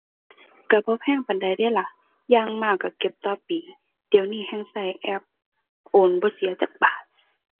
ก็บ่แพงปานใดเดะล่ะ อย่างมากก็เก็บต่อปี เดี๋ยวนี้แฮ่งก็แอปโอนบ่เสียจักบาท